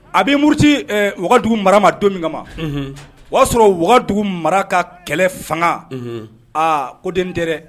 A bɛ muruti ɛ wagadugu mara ma don min kama, unhun, o y'a sɔrɔ wagadugu mara ka kɛlɛ fanga, unhun, aa ko dennin tɛ dɛ